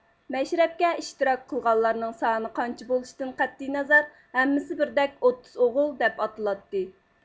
مەشرەپكە ئىشتىراك قىلغانلارنىڭ سانى قانچە بولۇشىدىن قەتئىينەزەر ھەممىسى بىردەك ئوتتۇز ئوغۇل دەپ ئاتىلاتتى